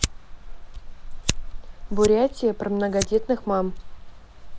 бурятия про многодетных мам